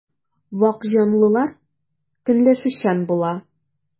Вак җанлылар көнләшүчән була.